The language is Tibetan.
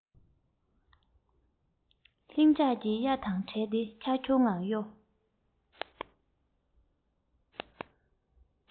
ལྷིང འཇགས ཀྱི གཡའ དང བྲལ ཏེ འཁྱར འཁྱོར ངང གཡོ